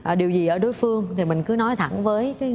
à điều gì ở đối phương thì mình cứ nói thẳng với cái